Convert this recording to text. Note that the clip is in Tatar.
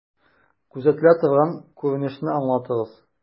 Күзәтелә торган күренешне аңлатыгыз.